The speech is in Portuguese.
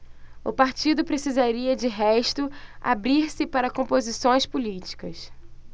o partido precisaria de resto abrir-se para composições políticas